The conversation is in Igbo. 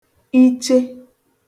iche